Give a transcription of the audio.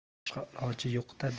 boshqa iloji yo'q da